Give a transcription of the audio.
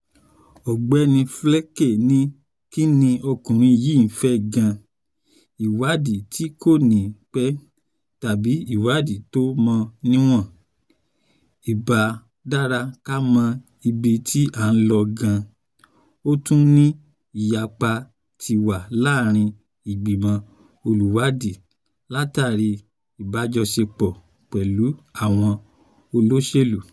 Ọ̀gbẹ́ni Flake ní, “Kí ni ọkùnri yìí fẹ́ gan-an – ìwádìí tí kò ní pẹ́, tàbí iwádìí tó mọ níwọ̀n? Ìbá dára ka mọ ibi tí à ń lọ gan-an. Ó tún ní “ìyapa” ti wà láárin ìgbìmọ̀ olùwádìí látàrí ìbájọṣepọ̀ pẹ̀ú àwọn olóṣèlú.